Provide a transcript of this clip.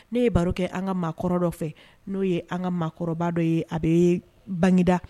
Ne ye baro kɛ an ka maakɔrɔ dɔ fɛ n'o ye an ka maakɔrɔbaba dɔ ye a bɛ bangeda